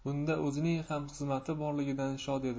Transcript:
bunda o'zining ham xizmati borligidan shod edi